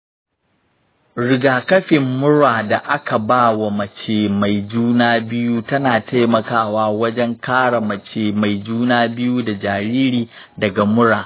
rigakafin mura da aka ba wa mace mai juna biyu tana taimakawa wajen kare mace mai juna biyu da jariri daga mura.